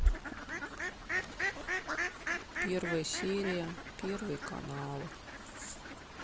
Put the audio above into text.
первая серия первый канал